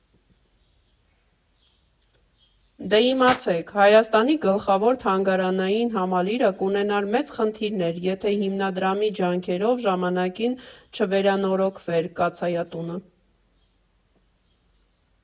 Դե իմացեք՝ Հայաստանի գլխավոր թանգարանային համալիրը կունենար մեծ խնդիրներ, եթե հիմնադրամի ջանքերով ժամանակին չվերանորոգվեր կաթսայատունը։